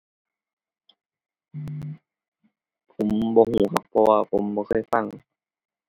ผมบ่รู้ครับ เพราะว่าผมบ่เคยฟัง